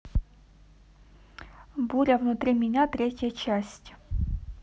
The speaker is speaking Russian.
буря внутри меня третья часть